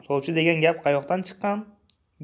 sovchi degan gap qayoqdan chiqqan